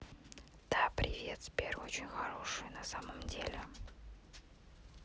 да привет сбер очень хороший на самом деле